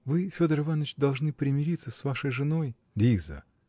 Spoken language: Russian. Вы, Федор Иваныч, должны примириться с вашей женой. -- Лиза!